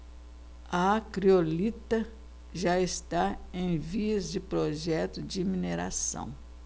a criolita já está em vias de projeto de mineração